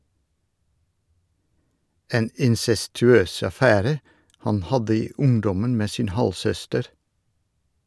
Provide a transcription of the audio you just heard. En incestuøs affære han hadde i ungdommen med sin halvsøster.